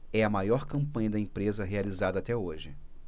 é a maior campanha da empresa realizada até hoje